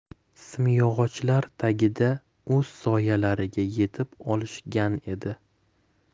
simyog'ochlar tagida o'z soyalariga yetib olishgan edi